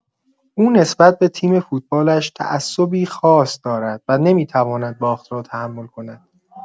او نسبت به تیم فوتبالش تعصبی خاص دارد و نمی‌تواند باخت را تحمل کند.